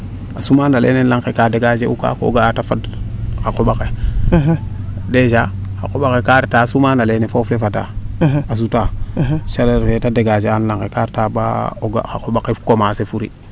a suma na leene laŋ ke kaa degager u kaa ko ga'a te fad a qoɓaxe dejas a qoɓaxe kaa reta a sumaana leene foof le fadaa a sutaa chaleeur fee te degager a laŋ ke ka retaa baa o ga xa qoɓa xe commencer a furi